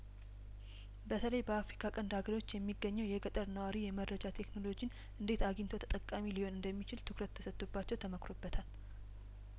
በተለይበአፍሪካ ቀንድ ሀገሮች የሚገኘው የገጠር ነዋሪ የመረጃ ቴክኖሎጂን እንዴት አግኝቶ ተጠቃሚ ሊሆን እንደሚችል ትኩረት ተሰጥቶባቸው ተመክሮ በታል